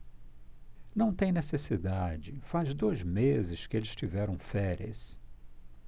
não tem necessidade faz dois meses que eles tiveram férias